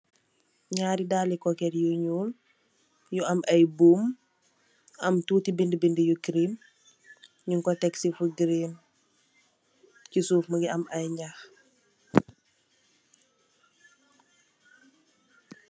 Nyari dale koket yu ñuul yu am boom am tuti binda binda yu cream nyu ko tek si fu green si suf mu nge ameh ai nyah.